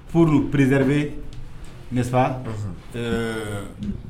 Fɔ olu preserver n'est pas , unhun, ɛɛ